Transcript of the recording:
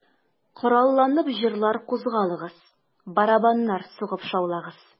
Коралланып, җырлар, кузгалыгыз, Барабаннар сугып шаулагыз...